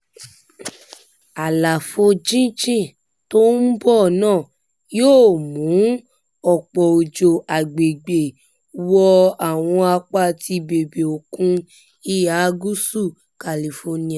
Àlàfo jínjìn tó ń bọ̀ náà yóò mú ọ̀pọ̀ òjò agbègbè wọ àwọn apá ti bèbè okùn ìhà Gúúsù California.